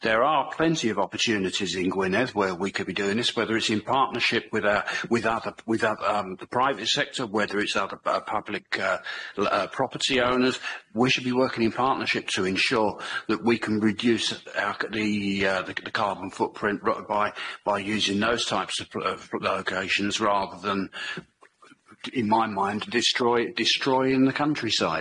There are plenty of opportunities in Gwynedd where we could be doing this whether it's in partnership with our with other with our um the private sector, whether it's other public uh le- uh property owners we should be working in partnership to ensure that we can reduce our the uh the ca- the carbon footprint ro- by by using those types of pl- of locations rather than in my mind destroy- destroying the countryside.